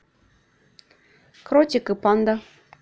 кротик и панда